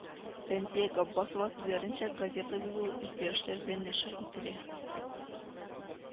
Рәмзия Габбасова сүзләренчә, газета быел үзгәрешләр белән нәшер ителә